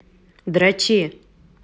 дрочи